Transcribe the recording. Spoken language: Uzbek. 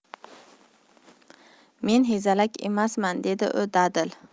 men hezalak emasman dedi u dadil